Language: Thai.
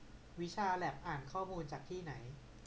วิชาแล็บอ่านข้อมูลจากที่ไหน